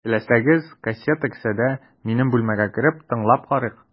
Теләсәгез, кассета кесәдә, минем бүлмәгә кереп, тыңлап карыйк.